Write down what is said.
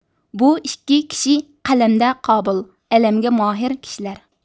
بۇ ئىككى كىشى قەلەمدە قابىل ئەلەمگە ماھىر كىشىلەر